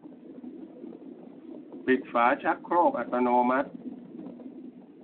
ปิดฝาชักโครกอัตโนมัติ